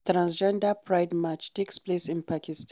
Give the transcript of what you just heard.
Transgender Pride march takes place in Pakistan